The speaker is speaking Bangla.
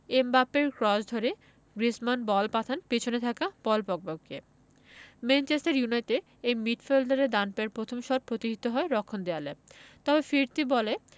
এমবাপ্পের ক্রস ধরে গ্রিজমান বল পাঠান পেছনে থাকা পল পগবাকে ম্যানচেস্টার ইউনাইটেডের এই মিডফিল্ডারের ডান পায়ের প্রথম শট প্রতিহত হয় রক্ষণ দেয়ালে তবে ফিরতি বলে